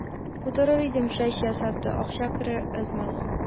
Утырыр идем, чәч ясап та акча керә әз-мәз.